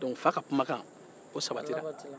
dɔnku fa ka kumakan sabatira